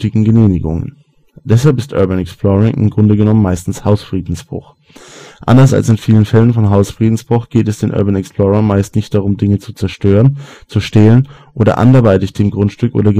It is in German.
Genehmigungen. Deshalb ist Urban Exploring im Grunde genommen meistens Hausfriedensbruch. Anders als in vielen Fällen von Hausfriedensbruch geht es den Urban Explorern meist nicht darum, Dinge zu zerstören, zu stehlen oder anderweitig dem Grundstück oder